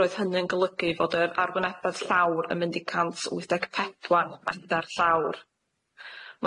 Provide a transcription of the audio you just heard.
roedd hynny'n golygu fod yr arwynebedd llawr yn mynd i cant wyth deg pedwar medar llawr.